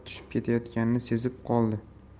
tushib ketayotganini sezib qoldi